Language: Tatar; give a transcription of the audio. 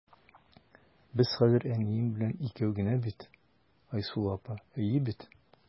Без хәзер әнием белән икәү генә бит, Айсылу апа, әйе бит?